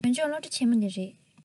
བོད ལྗོངས སློབ གྲྭ ཆེན མོ ནས རེད